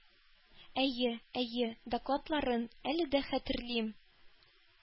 Әйе, әйе, докладларын, әле дә хәтерлим.